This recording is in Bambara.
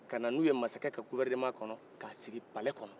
ka na n'u ye masa kɛ ka guwɛrineman kɔnɔ k'a sigi palɛ kɔnɔ